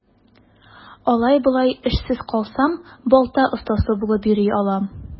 Алай-болай эшсез калсам, балта остасы булып йөри алам.